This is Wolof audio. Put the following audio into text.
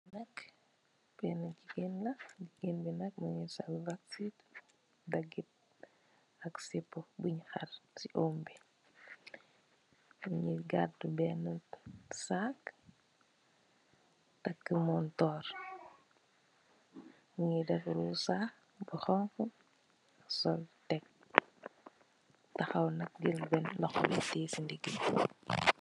Lii nak bena jigeen la, jigeen bi nak mungi sol vaxi, dagit ak sipu buñ har si oom bi, mungi gaadu ben saac, tak montoor, mungi daf rousaa bu xonxu, sol tek, taxaw nak jeul ben loxo bi, teyee si ndig bi.